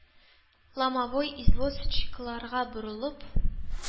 Ломовой извозчикларга борылып: